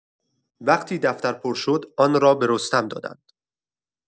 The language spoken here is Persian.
وقتی دفتر پر شد، آن را به رستم دادند.